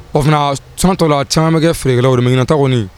O fana san tɔw la caman be kɛ feerekɛlaw de ye. Mais ɲinan ta kɔni